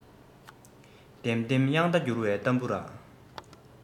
ལྡེམ ལྡེམ དབྱངས རྟ འགྱུར བའི ཏམ བུ ར